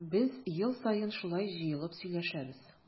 Без ел саен шулай җыелып сөйләшәбез.